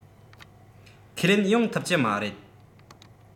ཁས ལེན ཡོང ཐུབ ཀྱི མ རེད